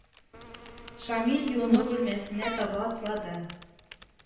Шамил юыну бүлмәсенә таба атлады